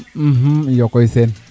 iyo koy Sene